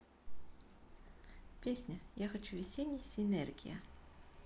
песня я хочу весенний синергия